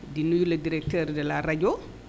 di nuyu le directeur de la rajo